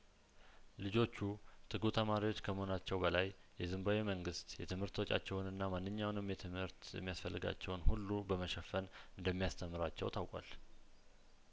ልጆቹ ትጉህ ተማሪዎች ከመሆ ናቸው በላይ የዚምባቡዌ መንግስት የትምህርት ወጪያቸ ውንና ማንኛውንም የትምህርት የሚያስፈልጋቸውን ሁሉ በመሸፈን እንደሚያስተምራቸው ታውቋል